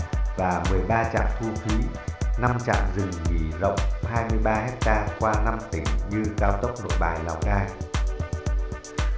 và trạm thu phí và trạm dừng nghỉ rộng ha qua tỉnh như cao tốc nội bài lào cai